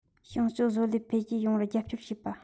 ཞིང སྤྱོད བཟོ ལས འཕེལ རྒྱས ཡོང བར རྒྱབ སྐྱོར བྱེད པ